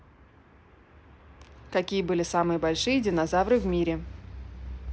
какие были самые большие динозавры в мире